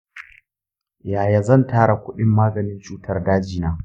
yaya zan tara kuɗin maganin cutar daji na?